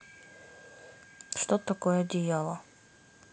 что такое одеяло